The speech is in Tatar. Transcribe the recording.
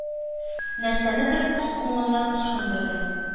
Нәрсәнедер күз уңыннан ычкындырды..